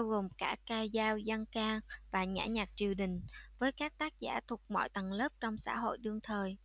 gồm cả ca dao dân ca và nhã nhạc triều đình với các tác giả thuộc mọi tầng lớp trong xã hội đương thời